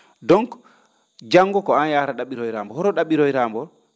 donc janngo ko an yahara ?a?iroyraa mbo horoo ?a?iroyraa mbo